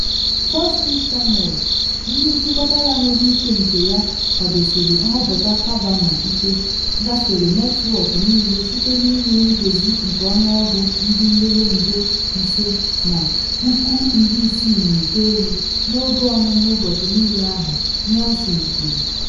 Fox News Channel, ndị nchịkọta ya nwere uche nke ya kwadosiri nhọpụta Kavanaugh ike, gafere netwọk niile site na ịnwe nkezi nke ọnụọgụ ndị nlele nde 5.69 n’oge ọnụnụ ụbọchị-niile ahụ, Nielsen kwuru.